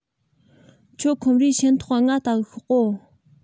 ཁྱོད ཁོམ རས ཞན ཐོག ག ངའ ལྟ གི ཤོག གོ